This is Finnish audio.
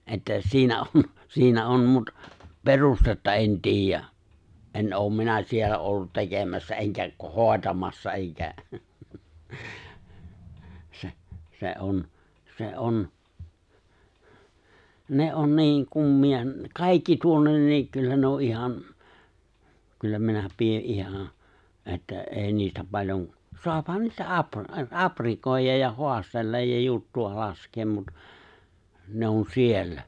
että siinä on siinä on mutta perustetta en tiedä en ole minä siellä ollut tekemässä enkä hoitamassa enkä se se on se on ne on niin kummia - kaikki tuo niin ne kyllä ne on ihan kyllä minä pidän ihan että ei niistä paljon saahan niistä - aprikoida ja haastella ja juttua laskea mutta ne on siellä